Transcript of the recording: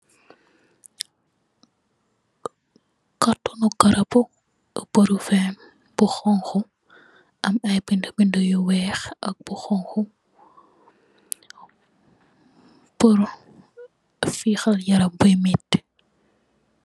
Kartonu garabu bu brofen bu honhu, am aiiy binda binda bu wekh ak bu honhu, pur feehal yaram bui meti.